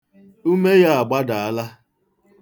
Ume ya agbadaala.